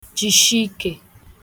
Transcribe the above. jìshiike